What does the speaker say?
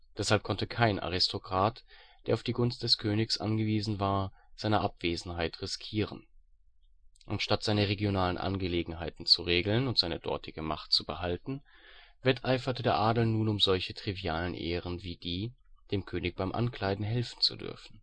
Deshalb konnte kein Aristokrat, der auf die Gunst des Königs angewiesen war, seine Abwesenheit riskieren. Anstatt seine regionalen Angelegenheiten zu regeln und seine dortige Macht zu behalten, wetteiferte der Adel nun um solche trivialen Ehren wie die, dem König beim Ankleiden helfen zu dürfen